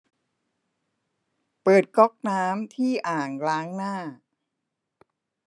เปิดก๊อกน้ำที่อ่างล้างหน้า